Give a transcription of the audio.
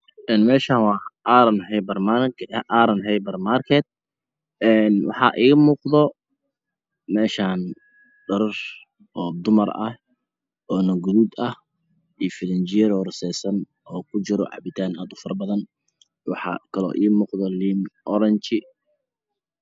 Een Meeshaan waa aaran haybar market waxaa iiga muuqda meeshaan dharar oo dumar ah oo gaduud ah iyo filinjiyeer oo rasaysan oo ku jiro cabitaan aad ufaro badan waxaa kaloo ii muuqda liin orange